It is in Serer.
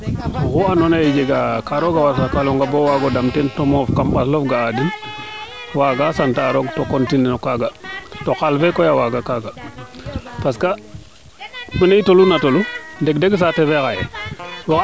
oxu ando naye jega ka rooga wersakalonga bo waaga dam teen to moof kam mbas lof ga'a den waaga sant a roog to continuer no kaaga to xaal fe koy a waagaa kaaga parce que mene i toluna tolu deg deg saate fe xaye